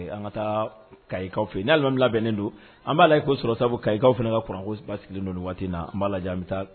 An ka taa kayi kaw fe yen ni Alimami labɛnnen don, an ba lajɛ ko sɔrɔ sabu kayikaw fana ka kuran ko basigilen don nin waati in na .an ba lajɛ an bi taa